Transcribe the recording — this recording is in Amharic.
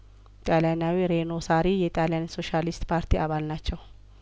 ጣሊያናዊ ሬኖ ሳሪ የጣሊያን ሶሻሊስት ፓርቲ አባል ናቸው